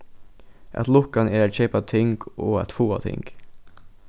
at lukkan er at keypa ting og at fáa ting